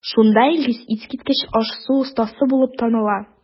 Шунда Илгиз искиткеч аш-су остасы булып таныла.